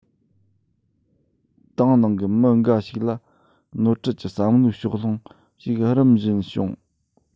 ཏང ནང གི མི འགའ ཞིག ལ ནོར འཁྲུལ གྱི བསམ བློའི ཕྱོགས ལྷུང ཞིག རིམ བཞིན བྱུང